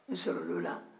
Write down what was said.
n sɔrɔl'o la